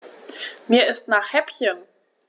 Mir ist nach Häppchen.